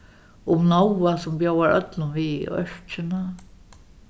um nóa sum bjóðar øllum við í ørkina